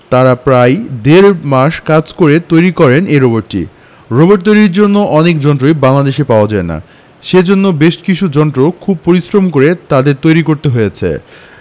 তারা প্রায় দেড় মাস কাজ করে তৈরি করেন এই রোবটটি রোবট তৈরির জন্য অনেক যন্ত্রই বাংলাদেশে পাওয়া যায় না সেজন্য বেশ কিছু যন্ত্র খুব পরিশ্রম করে তাদের তৈরি করতে হয়েছে